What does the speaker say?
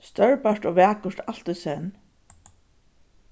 stórbært og vakurt alt í senn